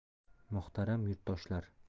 muhtaram yurtdoshlar